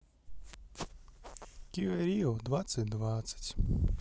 киа рио двадцать двадцать